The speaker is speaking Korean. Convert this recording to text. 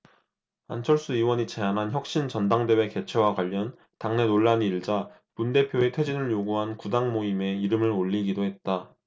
안철수 의원이 제안한 혁신 전당대회 개최와 관련 당내 논란이 일자 문 대표의 퇴진을 요구한 구당모임에 이름을 올리기도 했다